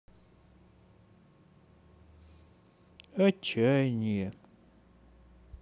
отчаяние